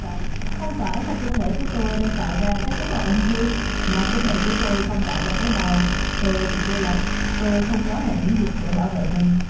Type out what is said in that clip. không phải là cơ thể của tôi đang tạo ra các tế bào ung thư mà cơ thể của tôi không tạo ra tế bào tôi bị cô lập tôi không có hệ miễn dịch để bảo vệ mình